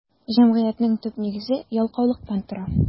Җәмгыятьнең төп нигезе ялкаулыктан тора.